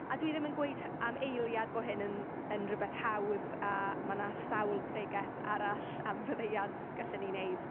A dwi ddim yn gweud h- am eiliad bo' hyn yn yn rywbeth hawdd, a mae 'na sawl pregeth arall am faddeuant gallen ni wneud.